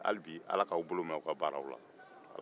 ala k'aw bolo mɛn aw ka baara la